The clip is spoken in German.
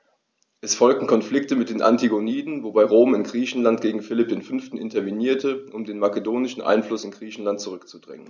Es folgten Konflikte mit den Antigoniden, wobei Rom in Griechenland gegen Philipp V. intervenierte, um den makedonischen Einfluss in Griechenland zurückzudrängen.